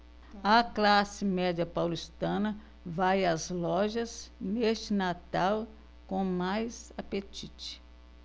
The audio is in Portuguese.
a classe média paulistana vai às lojas neste natal com mais apetite